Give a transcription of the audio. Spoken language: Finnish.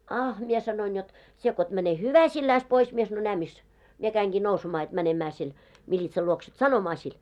ah minä sanoin jotta sinä kun et mene hyväsilläsi pois minä sanoin näe missä minä kävinkin nousemaan jotta menemään sen militsan luokse että sanomaan sille